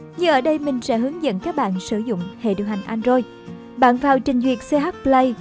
như ở đây mình sẽ hướng dẫn các bạn sử dụng hệ điều hành android bạn vào trình duyệt ch play